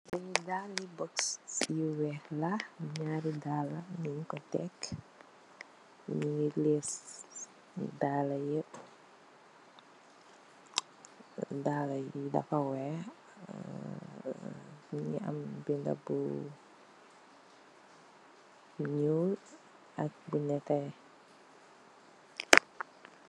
Lii daali buksi yu bees la, ñaari daalë ñun ko tek, ñun ngi lëës daalë yi yëëp. Daalë yi dafa weex, mu ngi am bindë bu ñuul ak bu nétte.